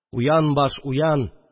Уян, баш, уян